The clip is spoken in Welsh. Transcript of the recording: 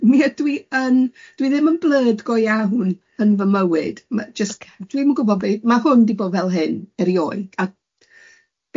Ac mi y- dw i ddim yn blurd go iawn yn fy mywyd, ma' jyst... ocê... dwi'm yn gwybod be- ma' hwn di bod fel hyn erioed, a